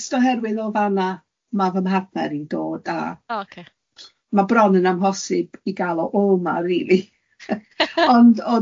Jes oherwydd o fa'ma ma' fy mhardner i'n dod a ma' bron yn amhosib 'i gal o o'ma rili.